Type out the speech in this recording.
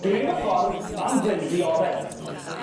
Dwi'n neud fy ffor am Bryn Dioddef.